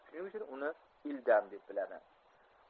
shuning uchun uni ildam deb biladi